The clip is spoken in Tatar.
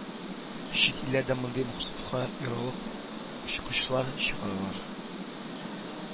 Чит илләрдә мондый максатка ярарлык очкычлар чыгаралар